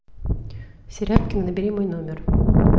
серябкина набери мой номер